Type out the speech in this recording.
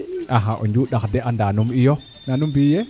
axa o njundax de andnum iyo na nu mbiyu ye